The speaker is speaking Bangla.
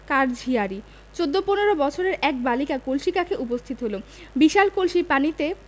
কার ঝিয়ারি চৌদ্দ পনেরো বছরের এক বালিকা কলসি কাঁখে উপস্থিত হল বিশাল কলসির পানিতে